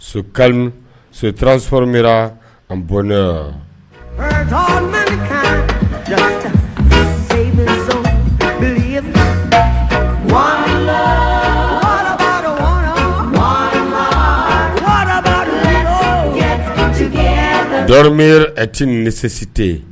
Soka sotran sɔrɔ minra an bɔn ja walaɔrɔ at ni sesi tɛ